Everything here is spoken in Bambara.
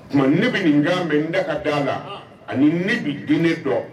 Tuma ne bɛ nin jan bɛ n da ka da la ani ne bɛ den ne dɔn